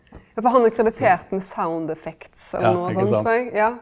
ja, for han er kreditert med eller noko sånn trur eg ja.